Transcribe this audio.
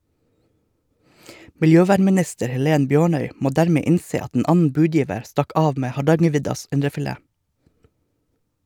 Miljøvernminister Helen Bjørnøy må dermed innse at en annen budgiver stakk av med «Hardangerviddas indrefilet».